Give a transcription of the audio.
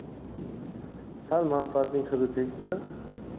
sal manfaatning hidi tegsa